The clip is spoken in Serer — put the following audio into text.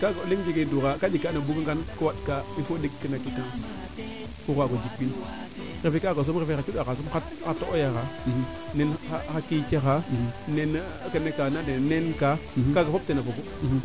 kaaga o leŋ jegee droit kaa jeg ka ando naye o buga ngan ko waand ka il faut que o jeg a quittance pour waago jik win refee kaga soom refee xa cuundaxe soom xa to'oyaxe nen xa qica xaa nen kene kaa na ne'a xine neen kaa kaga fop tena fogu